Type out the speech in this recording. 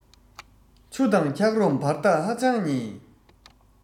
ཆུ དང འཁྱག རོམ བར ཐག ཧ ཅང ཉེ